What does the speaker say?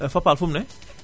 Fapal fu mu ne